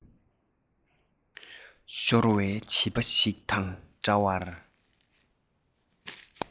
ཤོར བའི བྱིས པ ཞིག དང འདྲ བར